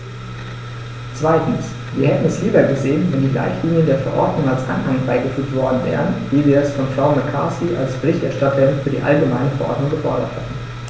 Zweitens: Wir hätten es lieber gesehen, wenn die Leitlinien der Verordnung als Anhang beigefügt worden wären, wie wir es von Frau McCarthy als Berichterstatterin für die allgemeine Verordnung gefordert hatten.